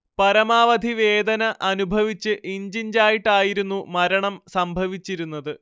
പരമാവധി വേദന അനുഭവിച്ച് ഇഞ്ചിഞ്ചായിട്ടായിരുന്നു മരണം സംഭവിച്ചിരുന്നത്